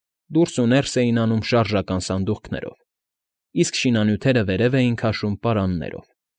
Դուրս ու ներս էին անում շարժական սանդուղքներով, իսկ շինանյութերը վերև էին քաշում պարաններով։